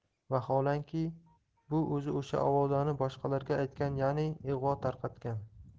vaholanki bu o'zi o'sha ovozani boshqalarga aytgan yani ig'vo tarqatgan